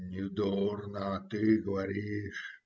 - Не дурно, ты говоришь?